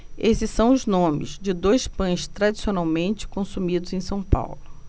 esses são os nomes de dois pães tradicionalmente consumidos em são paulo